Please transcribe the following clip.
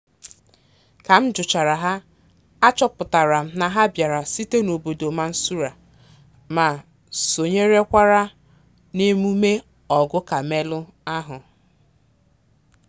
Ka m jụchara ha, achọpụtara m na ha bịara site n'obodo Mansoura ma sonyerekwara n'emume "Ọgụ Kamelụ" ahụ.